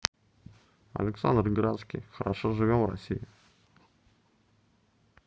александр градский альбом хорошо живьем в россии